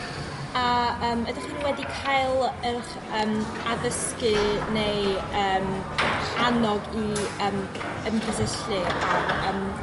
A yym ydych chi'n wedi cael 'ych yym adysgu neu yym annog i yym ymgysylltu â'r yym